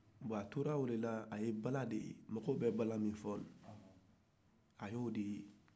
a tora o de la a ye bala de ye mɔgɔw bɛ bala nin fɔ a ye o de ye